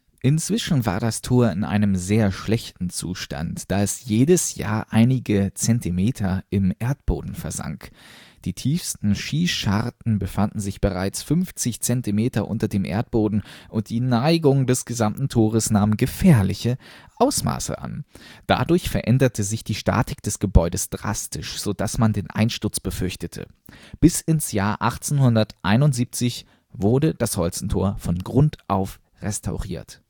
Inzwischen war das Tor in einem sehr schlechten Zustand, da es jedes Jahr einige Zentimeter im Erdboden versank. Die tiefsten Schießscharten befanden sich bereits 50 Zentimeter unter dem Erdboden, und die Neigung des gesamten Tores nahm gefährliche Ausmaße an. Dadurch veränderte sich die Statik des Gebäudes drastisch, so dass man den Einsturz befürchtete. Bis ins Jahr 1871 wurde das Holstentor von Grund auf restauriert